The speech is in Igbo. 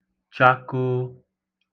chakoo